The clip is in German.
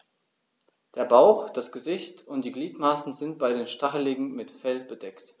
Der Bauch, das Gesicht und die Gliedmaßen sind bei den Stacheligeln mit Fell bedeckt.